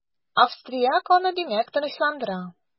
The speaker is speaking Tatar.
Австрияк аны димәк, тынычландыра.